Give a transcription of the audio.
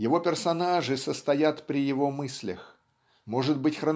Его персонажи состоят при его мыслях. Может быть